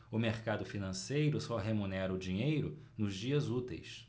o mercado financeiro só remunera o dinheiro nos dias úteis